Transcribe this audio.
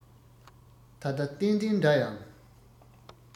ད ལྟ བརྟན བརྟན འདྲ ཡང